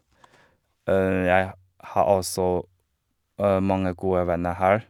Jeg ha har også mange gode venner her.